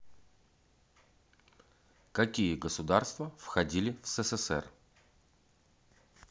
какие государства входили в ссср